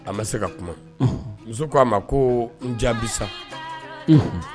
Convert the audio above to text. A ma se ka kuma muso k'a ma ko n jasa